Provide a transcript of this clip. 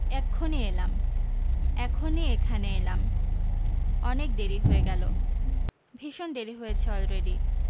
এক্ষণি এলাম এখনি এখানে এলাম অনেক দেরি হয়ে গেল ভীষণ দেরি হয়েছে অলরেডি